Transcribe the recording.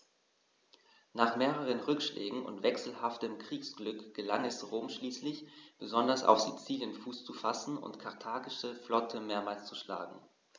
Nach mehreren Rückschlägen und wechselhaftem Kriegsglück gelang es Rom schließlich, besonders auf Sizilien Fuß zu fassen und die karthagische Flotte mehrmals zu schlagen.